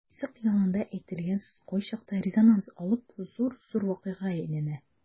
Ризык янында әйтелгән сүз кайчакта резонанс алып зур-зур вакыйгага әйләнә.